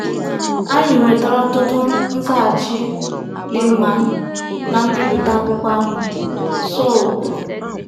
Anyị nwetara ọtụtụ nzaghachi dị mma na mbipụta akwụkwọ ahụ, "Sow kwuru.